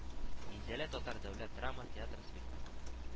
Минзәлә татар дәүләт драма театры спектакле